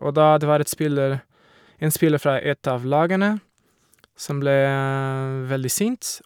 Og da det var et spiller en spiller fra ett av lagene som ble veldig sint.